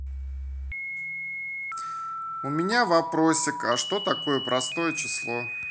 у меня вопросик а что такое простое число